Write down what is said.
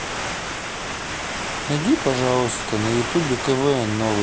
найди пожалуйста на ютубе квн новый